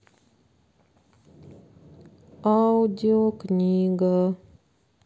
аудио книга